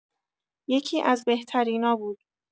یکی‌از بهترینا بود